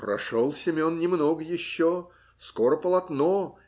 Прошел Семен немного еще, скоро полотно